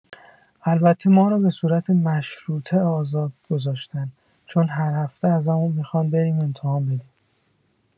البته ما رو به صورت مشروطه آزاد گذاشتن، چون هر هفته ازمون میخوان بریم امتحان بدیم.